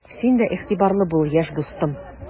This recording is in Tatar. Син дә игътибарлы бул, яшь дустым!